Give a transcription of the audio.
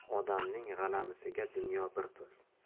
odamning g'alamisiga dunyo bir pul